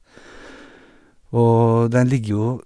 Og den ligger jo...